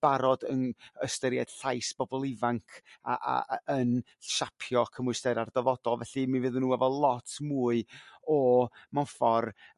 barod yng ystyried llais bobol ifanc a a a yn siapio cymwystera'r dyfodol felly mi fydden nhw efo lot mwy o mewn ffor'